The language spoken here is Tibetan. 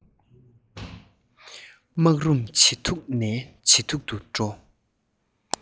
སྨག རུམ ཇེ མཐུག ནས ཇེ མཐུག ཏུ འགྲོ